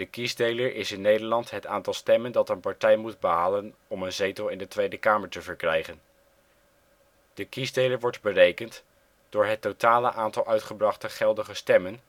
kiesdeler is in Nederland het aantal stemmen dat een partij moet behalen om een zetel in de Tweede Kamer te verkrijgen. De kiesdeler wordt berekend door het totale aantal uitgebrachte geldige stemmen